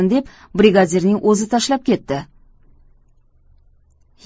deb brigadirning o'zi tashlab ketdi